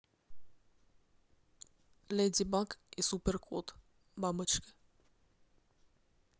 леди баг и суперкот бабочка